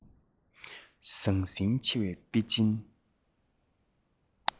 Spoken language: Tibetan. ཟང ཟིང ཆེ བའི པེ ཅིན